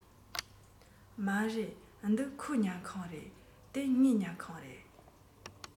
མ རེད འདི ཁོའི ཉལ ཁང རེད དེ ངའི ཉལ ཁང རེད